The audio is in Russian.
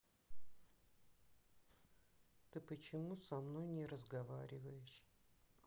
ты почему со мной не разговариваешь